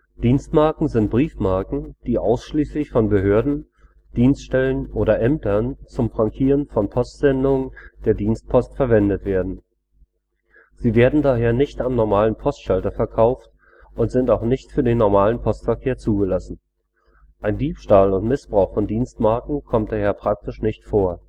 Dienstmarken sind Briefmarken, die ausschließlich von Behörden, Dienststellen oder Ämtern zum Frankieren von Postsendungen der Dienstpost verwendet werden. Sie werden daher nicht am normalen Postschalter verkauft und sind auch nicht für den normalen Postverkehr zugelassen. Ein Diebstahl und Missbrauch von Dienstmarken kommt daher praktisch nicht vor